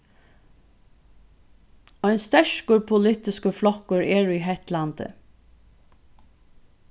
ein sterkur politiskur flokkur er í hetlandi